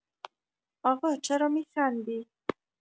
آقا چرا می‌خندی؟